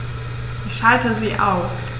Ich schalte sie aus.